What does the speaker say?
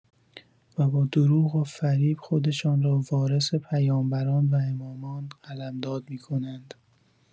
و با دروغ و فریب خودشان را وارث پیامبران و امامان قلمداد می‌کنند.